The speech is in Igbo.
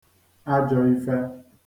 ajō ife